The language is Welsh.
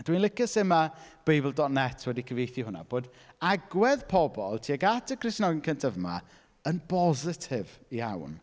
Dwi'n licio sut ma' Beibl dot net wedi cyfeithu hwnna, bod agwedd pobl tuag at y Cristnogion cyntaf yma yn bositif iawn.